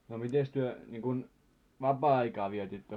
no mitenkäs te niin kuin vapaa-aikaa vietitte